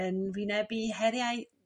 yn wynebu heriau